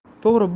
to'g ri